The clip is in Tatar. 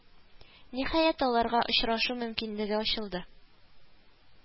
Ниһаять, аларга очрашу мөмкинлеге ачылды